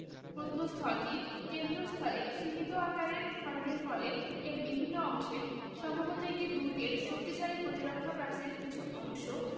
প্রত্নস্থলটির কেন্দ্রস্থলে সীমিত আকারের খননের ফলে এর বিভিন্ন অংশের সম্ভবত একটি দুর্গের শক্তিশালী প্রতিরক্ষা প্রাচীরের কিছু অংশ